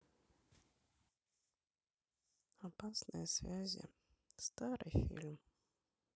опасные связи старый фильм